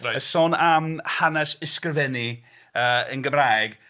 Sôn am hanes ysgrifennu yy yn Gymraeg.